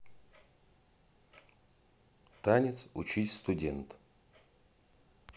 танец учись студент